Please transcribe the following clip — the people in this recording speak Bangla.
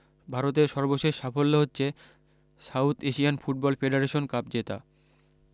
ভারতের সর্বশেষ সাফল্য হচ্ছে south Asian football federation cup জেতা